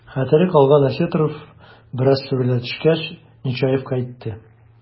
Хәтере калган Осетров, бераз сүрелә төшкәч, Нечаевка әйтте: